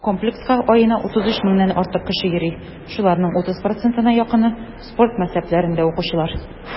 Комплекска аена 33 меңнән артык кеше йөри, шуларның 30 %-на якыны - спорт мәктәпләрендә укучылар.